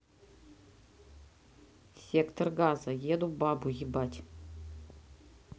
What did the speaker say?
сектор газа еду бабу ебать